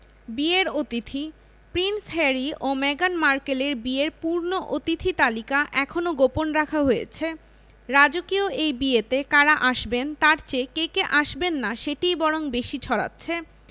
বিয়ের অতিথি Prince Harry ও মেগান মার্কেলের বিয়ের পূর্ণ অতিথি তালিকা এখনো গোপন রাখা হয়েছে রাজকীয় এই বিয়েতে কারা আসবেন তার চেয়ে কে কে আসবেন না সেটিই বরং বেশি ছড়াচ্ছে